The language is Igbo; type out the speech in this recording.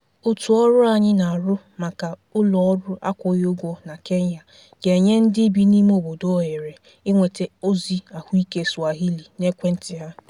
Otu ọrụ anyị na-arụ maka ụlọọrụ akwụghị ụgwọ na Kenya ga-enye ndị bi n'ime obodo ohere inweta ozi ahụike Swahili n'ekwentị ha.